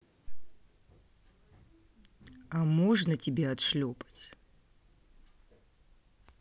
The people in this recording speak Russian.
а можно тебя отшлепать